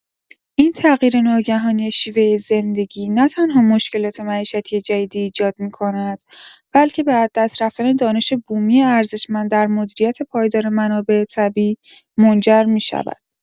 این تغییر ناگهانی شیوه زندگی، نه‌تنها مشکلات معیشتی جدیدی ایجاد می‌کند، بلکه به از دست رفتن دانش بومی ارزشمند در مدیریت پایدار منابع طبیعی منجر می‌شود.